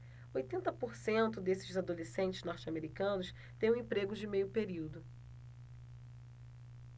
oitenta por cento desses adolescentes norte-americanos têm um emprego de meio período